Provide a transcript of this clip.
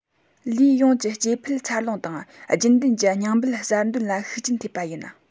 ལུས ཡོངས ཀྱི སྐྱེ འཕེལ འཚར ལོངས དང རྒྱུན ལྡན གྱི རྙིང འབུད གསར འདོན ལ ཤུགས རྐྱེན ཐེབས པ ཡིན